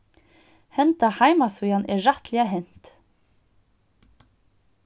henda heimasíðan er rættiliga hent